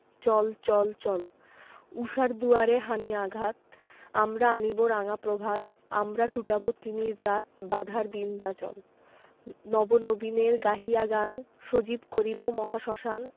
চল চল চল ঊষার দুয়ারে হানি' আঘাত আমরা আনিব রাঙা প্রভাত আমরা টুটাব তিমির রাত বাধার বিন্ধ্যাচল নব নবীনের গাহিয়া গান সজীব করিব মহাশ্মশান